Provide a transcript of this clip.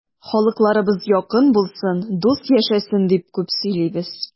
Халыкларыбыз якын булсын, дус яшәсен дип күп сөйлибез.